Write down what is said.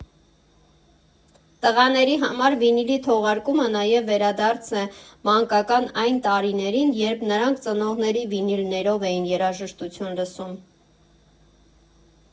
Տղաների համար վինիլի թողարկումը նաև վերադարձ է մանկական այն տարիներին, երբ նրանք ծնողների վինիլներով էին երաժշտություն լսում։